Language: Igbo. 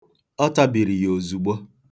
Ọ tabiri ya ozugbo